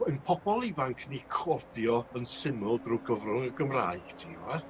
bw- ein pobol ifanc ni codio yn syml drw gyfrwng y Gymraeg ti'n gwbod